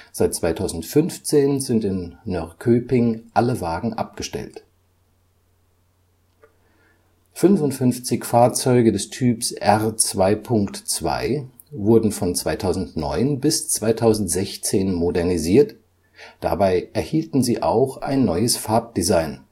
Seit 2015 sind in Nörrköping alle Wagen abgestellt. 55 Fahrzeuge des Typs R 2.2 wurden von 2009 bis 2016 modernisiert, dabei erhielten sie auch ein neues Farbdesign